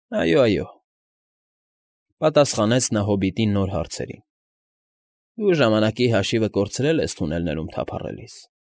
Այո, այո,֊ պատասխանեց նա հոբիտի նոր հարցին։֊ Դու ժամանակի հաշիվը կորցրել ես թունելներում թափառելիս։